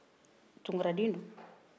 hali n'a jamu tɛ tunkara ye a ba ye tunkara ye